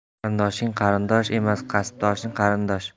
qarindoshing qarindosh emas kasbdoshing qarindosh